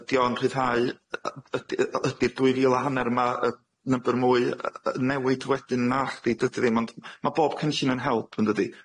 Ydi o'n rhyddhau yy ydi yy ydi'r dwy fil a hanner yma yy nibyr mwy yy yy newid wedyn narchdi dydi o ddim ond ma' ma' bob cynllun yn help yndydi?